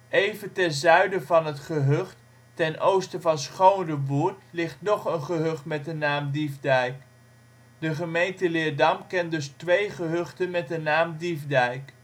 Even ten zuiden van het gehucht, ten oosten van Schoonrewoerd ligt nog een gehucht met de naam Diefdijk. De gemeente Leerdam kent dus twee gehuchten met de naam Diefdijk